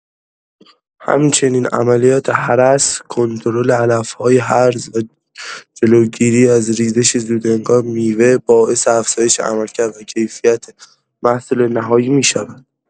همچنین عملیات هرس، کنترل علف‌های هرز و جلوگیری از ریزش زودهنگام میوه باعث افزایش عملکرد و کیفیت محصول نهایی می‌شود.